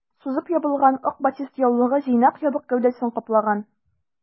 Сузып ябылган ак батист яулыгы җыйнак ябык гәүдәсен каплаган.